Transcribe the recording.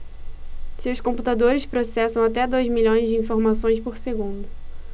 seus computadores processam até dois milhões de informações por segundo